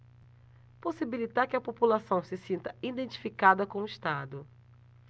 possibilitar que a população se sinta identificada com o estado